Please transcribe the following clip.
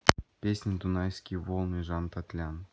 песня дунайские волны жан татлян